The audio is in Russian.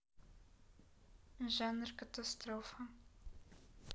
жанр катастрофа